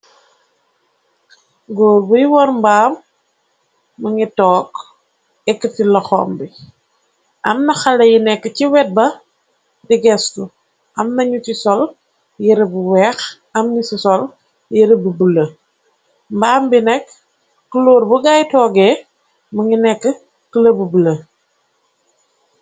Góor buy wor mbaam ma ngi toog ekkti laxom bi amna xale yi nekk ci wet ba di géstu am nanu ci sol yerebu weex am ni si sol yerebbu bu le mbaam bi nekk clór bu gaay tooge ma ngi nekk clebu b lë.